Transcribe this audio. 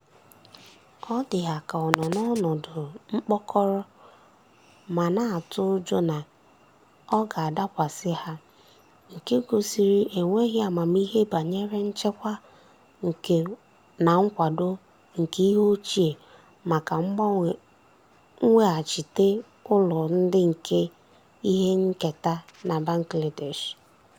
Ọ dị ha ka ọ nọ n'ọnọdụ mkpọkọrọ ma na-atụ ụjọ na ọ ga-adakwasị ha—nke gosiri enweghị amamihe banyere nchekwa na nkwado nke ihe ochie maka mweghachite ụlọ ndị nke ihe nketa na Bangladesh.